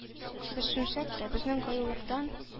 Без сүнсәк тә, безнең кыюлыктан